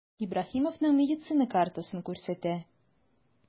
Ибраһимовның медицина картасын күрсәтә.